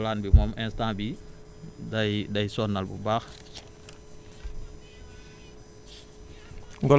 ngolaan bi moom instant bii day day day sonal bu baax